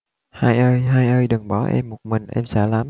hai ơi hai ơi đừng bỏ em một mình em sợ lắm